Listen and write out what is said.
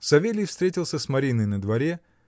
Савелий встретился с Мариной на дворе.